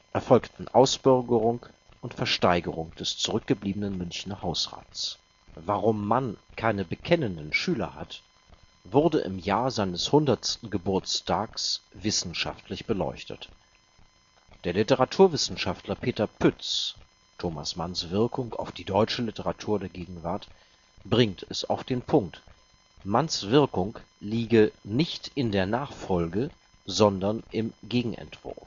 erfolgten Ausbürgerung und Versteigerung des zurückgebliebenen Münchener Hausrats. Warum Mann keine bekennenden Schüler hat, wurde im Jahr seines 100. Geburtstags wissenschaftlich beleuchtet. Der Literaturwissenschaftler Peter Pütz (Thomas Manns Wirkung auf die deutsche Literatur der Gegenwart) bringt es auf den Punkt: Manns Wirkung liege „ nicht in der Nachfolge, sondern im Gegenentwurf